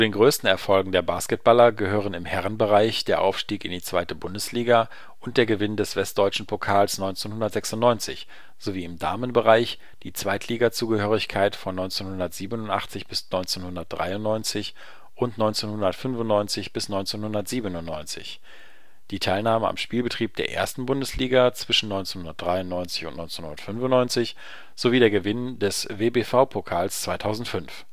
größten Erfolgen der Basketballer gehören im Herrenbereich der Aufstieg in die 2. Bundesliga und der Gewinn des Westdeutschen Pokals 1996 sowie im Damenbereich die Zweitligazugehörigkeit von 1987 bis 1993 und 1995 bis 1997, die Teilnahme am Spielbetrieb der 1. Bundesliga zwischen 1993 und 1995 sowie der Gewinn des WBV-Pokals 2005